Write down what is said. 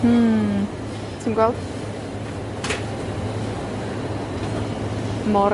hmm, ti'n gweld mor